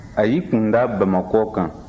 a y'i kun da bamakɔ kan